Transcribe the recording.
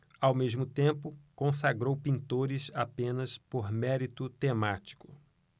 ao mesmo tempo consagrou pintores apenas por mérito temático